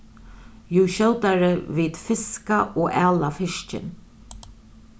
jú skjótari vit fiska og ala fiskin